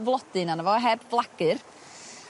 flodyn arno fo heb flagur